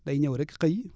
day ñëw rek xëy